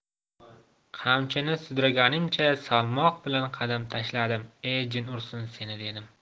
qamchini sudraganimcha salmoq bilan qadam tashladim e jin ursin seni dedim